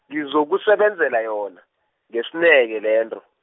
ngizokusebenzela yona, ngesineke lento.